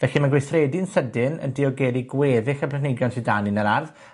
Felly, ma' gweithredu'n sydyn yn diogeli gweddill y planhigion sy 'da ni yn yr ardd.